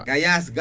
ga yass ga